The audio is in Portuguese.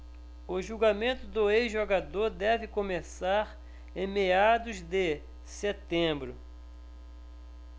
o julgamento do ex-jogador deve começar em meados de setembro